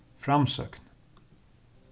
framsókn